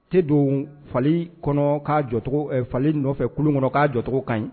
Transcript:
Te don fali kɔnɔ'a fali nɔfɛ kulu kɔnɔ k'a jɔcogo kan ɲi